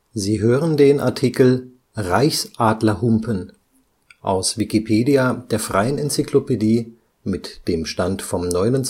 Sie hören den Artikel Reichsadlerhumpen, aus Wikipedia, der freien Enzyklopädie. Mit dem Stand vom Der